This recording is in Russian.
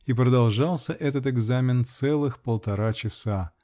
И продолжался этот экзамен целых полтора часа.